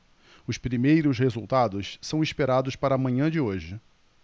os primeiros resultados são esperados para a manhã de hoje